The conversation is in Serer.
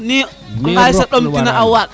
ne ŋalis a ɗom tina a waaɗ